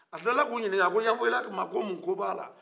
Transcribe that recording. a kilala k'u ɲinika a ko yanfɔlila ma ko mun ko bɛ a la